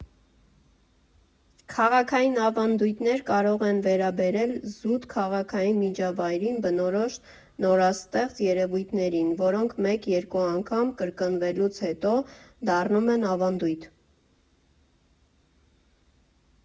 Քաղաքային ավանդույթներ կարող են վերաբերել զուտ քաղաքային միջավայրին բնորոշ նորաստեղծ երևույթներին, որոնք մեկ֊երկու անգամ կրկնվելուց հետո, դառնում են ավանդույթ։